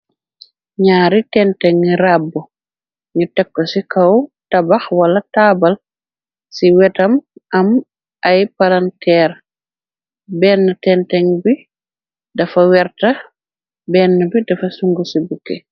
Ñaari tengteng ngi rabu ñi tek ko si kaw tabax wala taball si wettam am ay palanterr. Benna tengteng bi dafa werta benna bi dafa sun'ngufi bukki.